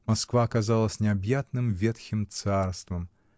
Москва казалась необъятным ветхим царством.